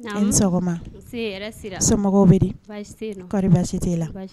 Naamu aw ni sɔgɔma nsee hɛrɛ sira somɔgɔw bɛ di baasi tɛ ye kɔri baasi t'i la baasi tɛ ye